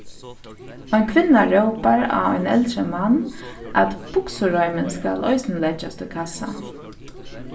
ein kvinna rópar á ein eldri mann at buksureimin skal eisini leggjast í kassan